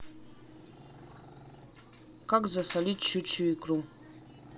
как засолить щучью икру